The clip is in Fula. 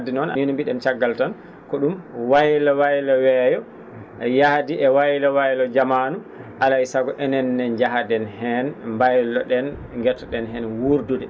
anndi noon ni no mbi?en caggal tan ko ?um waylo waylo weeyo yaadi e waylo waylo jamaanu alaa e sago enen ne njaaden heen mbaylo ?en ngeto?en heen wuurdude